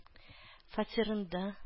Фатирында